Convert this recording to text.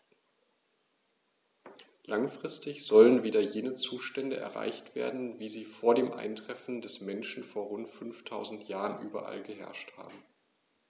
Langfristig sollen wieder jene Zustände erreicht werden, wie sie vor dem Eintreffen des Menschen vor rund 5000 Jahren überall geherrscht haben.